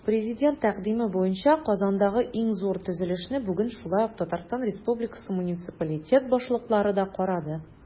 Президент тәкъдиме буенча Казандагы иң зур төзелешне бүген шулай ук ТР муниципалитет башлыклары да карады.